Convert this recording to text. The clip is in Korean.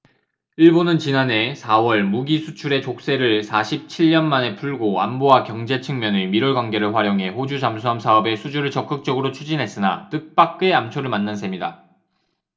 일본은 지난해 사 월 무기 수출의 족쇄를 사십 칠 년 만에 풀고 안보와 경제 측면의 밀월관계를 활용해 호주 잠수함 사업의 수주를 적극적으로 추진했으나 뜻밖의 암초를 만난 셈이다